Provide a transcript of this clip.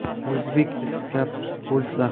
o'zbek iskab bo'lsa